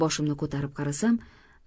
boshimni ko'tarib qarasam